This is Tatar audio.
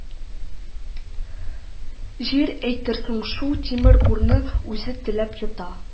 Җир әйтерсең шул тимер бурны үзе теләп йота